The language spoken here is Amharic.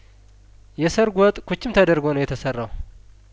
የሰርጉ ወጥ ኩችም ተደርጐ ነው የተሰራው